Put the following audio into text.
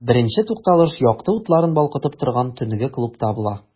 Беренче тукталыш якты утларын балкытып торган төнге клубта була.